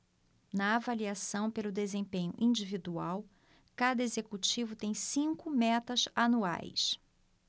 na avaliação pelo desempenho individual cada executivo tem cinco metas anuais